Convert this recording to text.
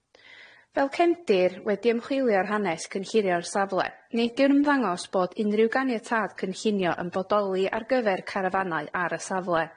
Fel cefndir, wedi ymchwilio'r hanes cynllunio'r safle, nid yw'n ymddangos bod unrhyw ganiatâd cynllunio yn bodoli ar gyfer carafanau ar y safle.